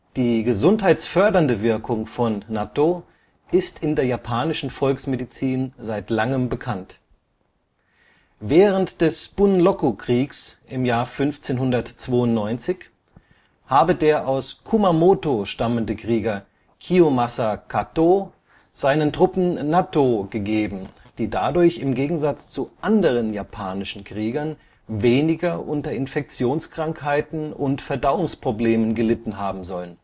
Die gesundheitsfördernde Wirkung von Nattō ist in der japanischen Volksmedizin seit langem bekannt. Während des Bunroku-Kriegs (1592) habe der aus Kumamoto stammende Krieger Kiyomasa Katō seinen Truppen Nattō gegeben, die dadurch im Gegensatz zu anderen japanischen Kriegern weniger unter Infektionskrankheiten und Verdauungsproblemen gelitten haben sollen